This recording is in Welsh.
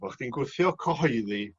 bo' chdi'n gwthio cyhoeddi